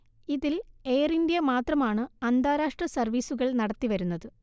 ഇതിൽ air India മാത്രമാണ് അന്താരാഷ്ട്ര സർവീസുകൾ നടത്തി വരുന്നത്